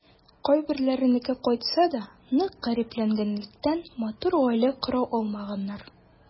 Кайберләренеке кайтса да, нык гарипләнгәнлектән, матур гаилә кора алмаганнар.